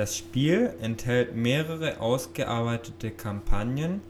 Spiel enthält mehrere ausgearbeitete Kampagnen